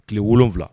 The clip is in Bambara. Tile wolon wolonwula